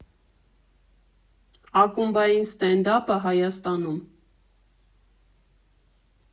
Ակումբային ստենդափը Հայաստանում։